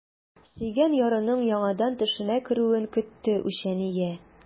Сөйгән ярының яңадан төшенә керүен көтте үчәния.